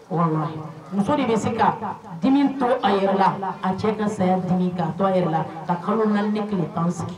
Muso de bɛ se ka dimi to a yɛrɛ la a cɛ ka saya d ka to yɛrɛ la ka kalo naani tilekan sigi